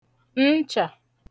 nchà